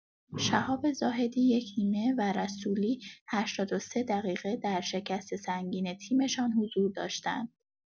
شهاب زاهدی یک‌نیمه و رسولی ۸۳ دقیقه در شکست سنگین تیمشان حضور داشتند.